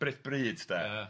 bre- bryd de... Ia.